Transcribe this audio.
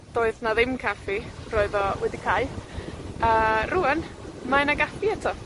doedd 'na ddim caffi, roedd o wedi cae, a rŵan, mae 'na gaffi eto.